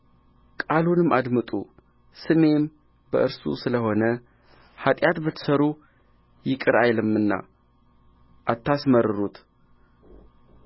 ቃሉንም አድምጡ ስሜም በእርሱ ስለ ሆነ ኃጢአት ብትሠሩ ይቅር አይልምና አታስመርሩት